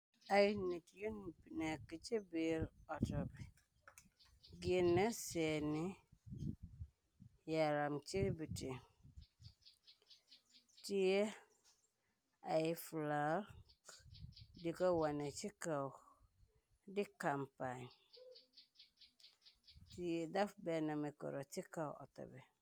ay nit yun nekk ci biir otobi ginn seeni yaram ci biti ti ay flark diko wane ci kaw di kampaañ ti daf benn mikoro ci kaw outobi